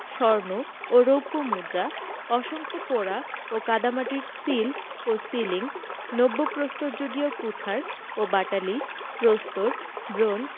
স্বর্ণ ও রৌপ্য মুদ্রা অসংখ্য পোড়া ও কাদামাটির সিল ও সিলিং নব্যপ্রস্তরযুগীয় কুঠার ও বাটালি প্রস্তর ব্রোঞ্জ